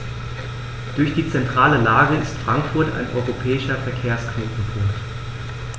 Durch die zentrale Lage ist Frankfurt ein europäischer Verkehrsknotenpunkt.